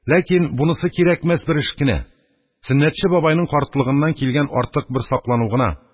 Ләкин бунысы кирәкмәс бер эш кенә, Сөннәтче бабайның картлыгыннан килгән артык бер саклану гына иде